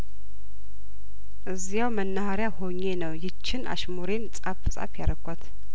እዚያው መናሀሪያ ሆኜ ነው ይችን አሽሙሬን ጻፍ ጻፍ ያረኳት